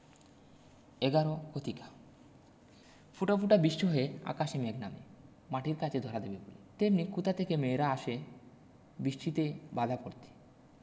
১১ কথিকা ফুটা ফুটা বিষ্টি হয়ে আকাশে মেঘ নামে মাটির কাছে ধরা দেবে বলে তেমনি কোথা থেকে মেয়েরা আসে বিষ্টিতে বাঁধা পড়তে